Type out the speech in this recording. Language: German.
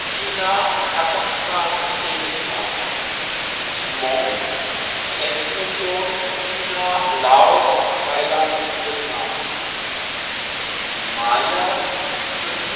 China, Kasachstan, Usbekistan Hmong: 6.000.000 in China, Laos, Thailand, Vietnam Maya: 5.000.000